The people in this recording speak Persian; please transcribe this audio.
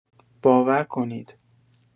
باور کنید